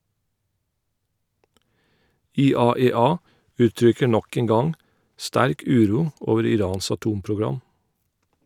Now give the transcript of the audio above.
IAEA uttrykker nok en gang sterk uro over Irans atomprogram.